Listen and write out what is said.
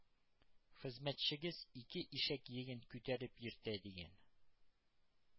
Хезмәтчегез ике ишәк йөген күтәреп йөртә,— дигән.